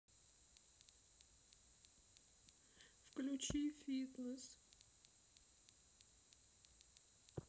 включи фитнес